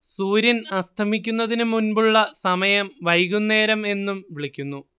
സൂര്യൻ അസ്തമിക്കുന്നതിന് മുമ്പുള്ള സമയം വൈകുന്നേരം എന്നും വിളിക്കുന്നു